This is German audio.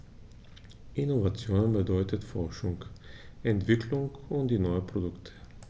Innovation bedeutet Forschung, Entwicklung und neue Produkte.